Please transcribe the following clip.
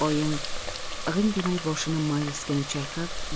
oyim g'ing demay boshini ma'yusgina chayqab